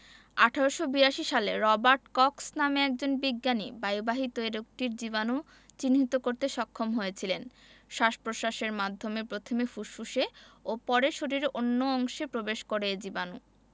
১৮৮২ সালে Robert Cox নামে একজন বিজ্ঞানী বায়ুবাহিত এ রোগটির জীবাণু চিহ্নিত করতে সক্ষম হয়েছিলেন শ্বাস প্রশ্বাসের মাধ্যমে প্রথমে ফুসফুসে ও পরে শরীরের অন্য অংশেও প্রবেশ করে এ জীবাণু